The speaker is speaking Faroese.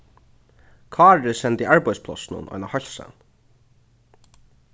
kári sendi arbeiðsplássinum eina heilsan